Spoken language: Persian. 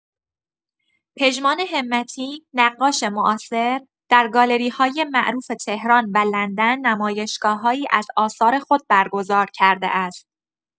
پژمان همتی، نقاش معاصر، در گالری‌های معروف تهران و لندن نمایشگاه‌هایی از آثار خود برگزار کرده است.